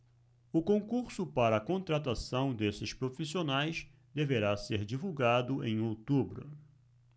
o concurso para contratação desses profissionais deverá ser divulgado em outubro